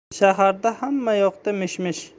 shaharda hammayoqda mish mish